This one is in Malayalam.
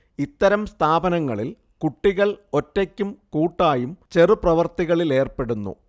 ഇത്തരം സ്ഥാപനങ്ങളിൽ കുട്ടികൾ ഒറ്റയ്ക്കും കൂട്ടായും ചെറുപ്രവൃത്തികളിലേർപ്പെടുന്നു